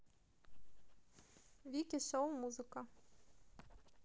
вики шоу музыка